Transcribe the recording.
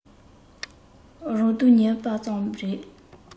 རང སྡུག ཉོས པ ཙམ རེད